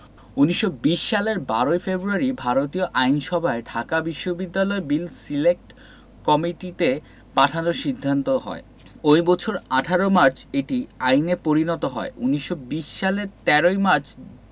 ১৯২০ সালের ১২ ফেব্রুয়ারি ভারতীয় আইনসভায় ঢাকা বিশ্ববিদ্যালয় বিল সিলেক্ট কমিটিতে পাঠানোর সিদ্ধান্ত হয় ওই বছর ১৮ মার্চ এটি আইনে পরিণত হয় ১৯২০ সালের ১৩ ই মার্চ